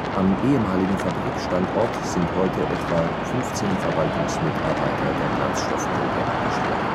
Am ehemaligen Fabrikstandort sind heute etwa 15 Verwaltungsmitarbeiter der Glanzstoff-Gruppe angestellt